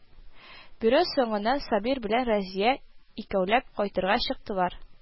Бюро соңыннан Сабир белән Разия икәүләп кайтырга чыктылар